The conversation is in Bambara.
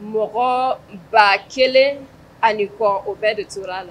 Mɔgɔ ba kelen ani kɔ o bɛɛ de tora la